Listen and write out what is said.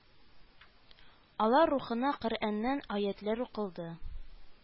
Алар рухына Коръәннән аятьләр укылды